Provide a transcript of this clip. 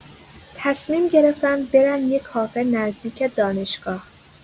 تصمیم گرفتن برن یه کافه نزدیک دانشگاه.